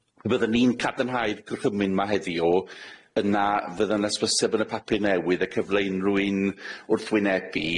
y bydden ni'n cadarnhau'r gorchymyn 'ma heddiw, yna fydda 'na hysbyseb yn y papur newydd a cyfle i unryw un wrthwynebu,